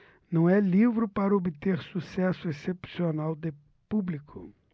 não é livro para obter sucesso excepcional de público